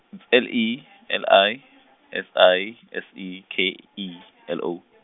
L E , L I, S I, S E, K E , L O.